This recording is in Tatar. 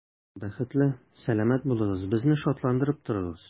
Бәхетле, сәламәт булыгыз, безне шатландырып торыгыз.